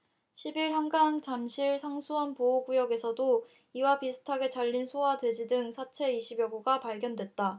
십 일 한강 잠실 상수원 보호구역에서도 이와 비슷하게 잘린 소와 돼지 등 사체 이십 여 구가 발견됐다